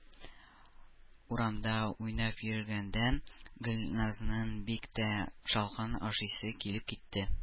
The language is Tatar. Урамда уйнап йөргәндә Гөльназның бик тә шалкан ашыйсы килеп китте